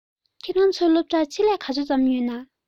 ཁྱོད རང ཚོའི སློབ གྲྭར ཆེད ལས ག ཚོད ཙམ ཡོད ན